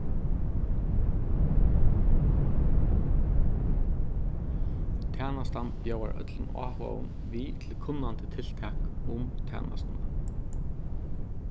tænastan bjóðar øllum áhugaðum við til kunnandi tiltak um tænastuna